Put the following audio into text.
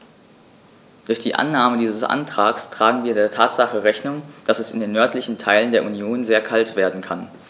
Durch die Annahme dieses Antrags tragen wir der Tatsache Rechnung, dass es in den nördlichen Teilen der Union sehr kalt werden kann.